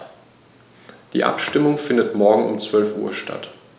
Die Abstimmung findet morgen um 12.00 Uhr statt.